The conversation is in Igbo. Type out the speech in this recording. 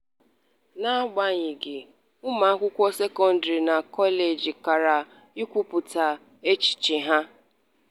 N'agbanyeghị, ụmụakwụkwọ sekọndrị na kọleji kara kwupụta echiche ha.